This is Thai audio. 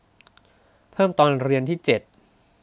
เพิ่มตอนเรียนที่เจ็ด